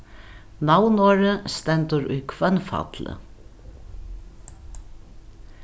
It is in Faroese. navnorðið stendur í hvønnfalli